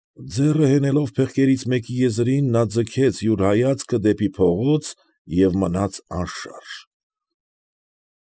Ձեռքը հենելով փեղկերից մեկի եզրին, նա ձգեց յուր հայացքը դեպի փողոց և մնաց անշարժ։